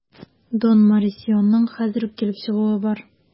Дон Морисионың хәзер үк килеп чыгуы бар.